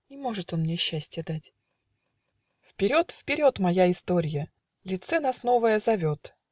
Не может он мне счастья дать". Вперед, вперед, моя исторья! Лицо нас новое зовет.